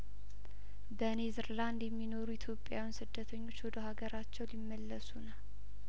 በኔዘርላንድ የሚኖሩ ኢትዮጵያውን ስደተኞች ወደ ሀገራቸው ሊመለሱ ነው